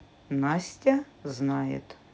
настя знает